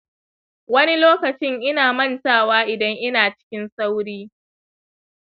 wani lokaci ina mantawa idan ina cikin sauri.